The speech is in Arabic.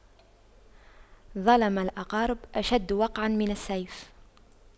ظلم الأقارب أشد وقعا من السيف